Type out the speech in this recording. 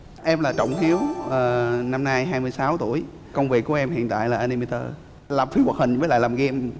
em là trọng hiếu à năm nay hai mươi sáu tuổi công việc của em hiện tại là an ni mây tơ làm phim hoạt hình với lại làm gem